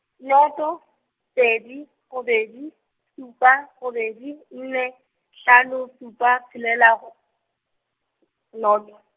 noto, pedi, robedi, supa, robedi, nne, hlano, supa tshelela, r-, noto.